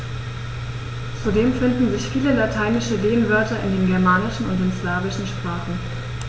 Zudem finden sich viele lateinische Lehnwörter in den germanischen und den slawischen Sprachen.